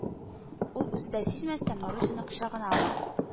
Ул, үзе дә сизмәстән, Марусяны кочагына ала